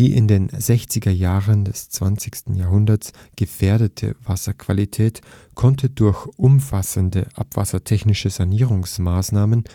in den Sechzigerjahren des 20. Jahrhunderts gefährdete Wasserqualität konnte durch umfassende abwassertechnische Sanierungsmaßnahmen